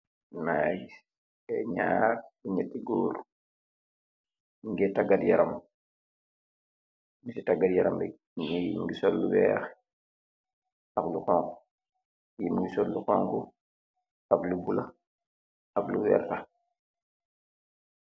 Nayik, ñaar, be ñetti góor ñungee taggat yaram. Si tagat yaram bi, ñjii ñungi sol lu weex ak lu xoñga, ñjii, ñungi sol lu xoñga ak lu buloo ak lu werta.